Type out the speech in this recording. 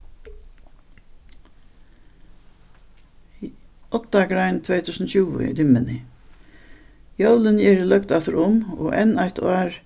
oddagrein tvey túsund og tjúgu dimmuni jólini eru løgd afturum og enn eitt ár